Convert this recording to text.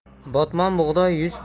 botmon bug'doy yuz